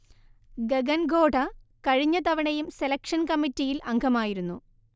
ഗഗൻ ഖോഡ കഴിഞ്ഞ തവണയും സെലക്ഷൻ കമ്മിറ്റിയിൽ അംഗമായിരുന്നു